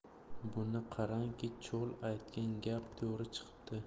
buni qarangki chol aytgan gap to'g'ri chiqibdi